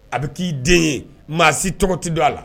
A bɛ k'i den ye maa si tɔgɔ tɛ don a la